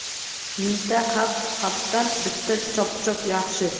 mingta hap hapdan bitta chop chop yaxshi